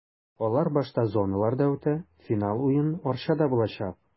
Алар башта зоналарда үтә, финал уен Арчада булачак.